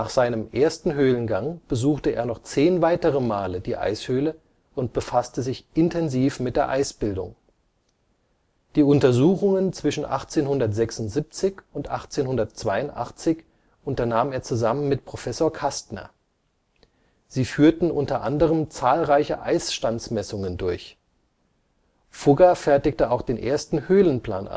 seinem ersten Höhlengang besuchte er noch zehn weitere Male die Eishöhle und befasste sich intensiv mit der Eisbildung. Die Untersuchungen zwischen 1876 und 1882 unternahm er zusammen mit Professor Kastner. Sie führten unter anderem zahlreiche Eisstandsmessungen durch. Fugger fertigte auch den ersten Höhlenplan